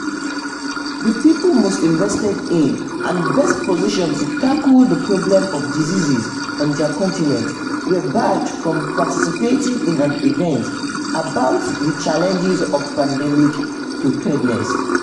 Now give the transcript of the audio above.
The people most invested in and best-positioned to tackle the problem of diseases on their continent, were barred from participating in an event about “the challenge of pandemic preparedness.”